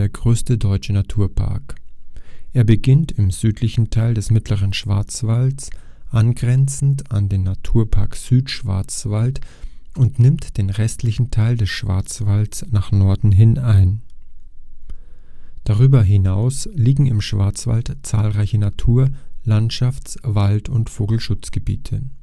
größte deutsche Naturpark. Er beginnt im südlichen Teil des Mittleren Schwarzwalds, angrenzend an den Naturpark Südschwarzwald, und nimmt den restlichen Teil des Schwarzwalds nach Norden hin ein. Darüber hinaus liegen im Schwarzwald zahlreiche Natur -, Landschafts -, Wald - und Vogelschutzgebiete